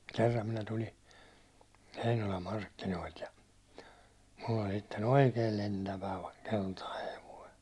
kerran minä tuli Heinolan markkinoilta ja minulla oli sitten oikein lentävä keltainen hevonen